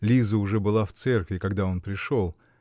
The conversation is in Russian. Лиза уже была в церкви, когда он пришел.